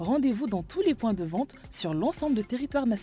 Denfu dɔn tudipte silon san bɛ terikɛtan